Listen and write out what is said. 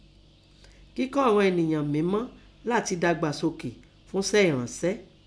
Kíkọ́ ighan ọ̀niyan mẹ̀mo lati dàgbà soke funse ẹ̀ransẹ́,